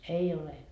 ei ole